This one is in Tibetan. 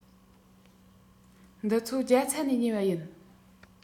འདི ཚོ རྒྱ ཚ ནས ཉོས པ ཡིན